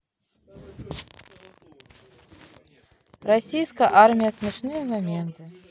российская армия смешные моменты